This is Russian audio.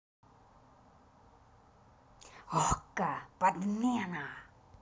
okko подмена